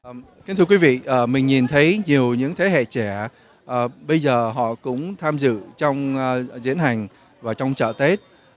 kính thưa quý vị ờ mình nhìn thấy nhiều những thế hệ trẻ bây giờ họ cũng tham dự trong diễn hành vào trong chợ tết